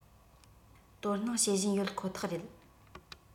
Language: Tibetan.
དོ སྣང བྱེད བཞིན ཡོད ཁོ ཐག རེད